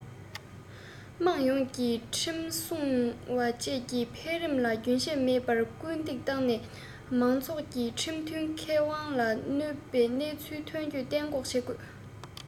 དམངས ཡོངས ཀྱིས ཁྲིམས སྲུང བ བཅས ཀྱི འཕེལ རིམ ལ རྒྱུན ཆད མེད པར སྐུལ འདེད བཏང ནས མང ཚོགས ཀྱི ཁྲིམས མཐུན ཁེ དབང ལ གནོད པའི གནས ཚུལ ཐོན རྒྱུ གཏན འགོག བྱེད དགོས